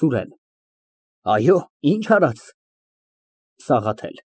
ՍՈՒՐԵՆ ֊ Այո, ի՞նչ արած։ ՍԱՂԱԹԵԼ ֊